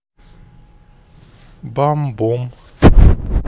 бам бом